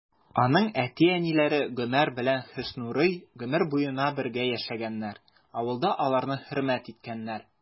Аның әти-әниләре Гомәр белән Хөснурый гомер буена бергә яшәгәннәр, авылда аларны хөрмәт иткәннәр.